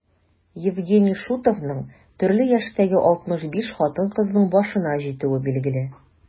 Евгений Шутовның төрле яшьтәге 65 хатын-кызның башына җитүе билгеле.